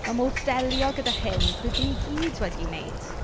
Ma' modd delio gyda'r hyn rydyn ni gyd wedi wneud.